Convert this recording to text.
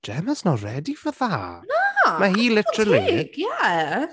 Gemma's not ready for that... Na... Mae hi literally... Digon teg, ie.